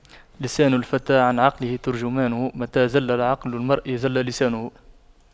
لسان الفتى عن عقله ترجمانه متى زل عقل المرء زل لسانه